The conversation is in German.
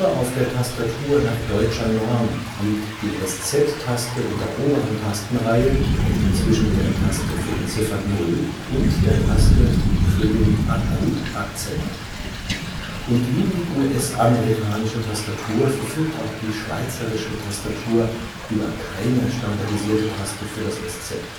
auf der Tastatur nach deutscher Norm liegt die Eszett-Taste in der oberen Tastenreihe zwischen der Taste für die Ziffer Null und der Taste für den Akutakzent. Und wie die US-amerikanische Tastatur verfügt auch die schweizerische Tastatur über keine standardisierte Taste für das Eszett